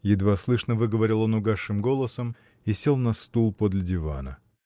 — едва слышно выговорил он угасшим голосом и сел на стул подле дивана.